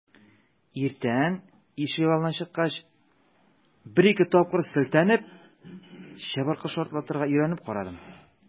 Иртән ишегалдына чыккач, бер-ике тапкыр селтәнеп, чыбыркы шартлатырга өйрәнеп карадым.